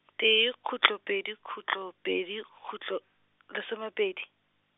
tee, khutlo pedi khutlo pedi khutlo, lesomepedi.